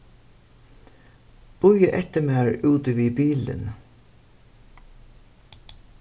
bíða eftir mær úti við bilin